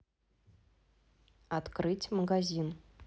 открыть магазин